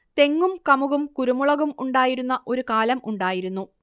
തെങ്ങും കമുകും കുരുമുളകും ഉണ്ടായിരുന്ന ഒരു കാലം ഉണ്ടായിരുന്നു